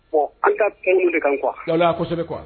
Ɔ an ka t min de ka qu a ko se kuwa